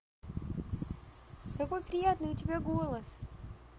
какой приятный у тебя голос